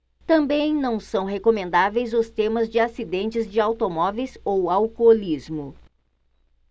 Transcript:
também não são recomendáveis os temas de acidentes de automóveis ou alcoolismo